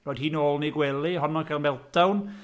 Rhoi hi'n ôl yn ei gwely, honno'n cael meltdown...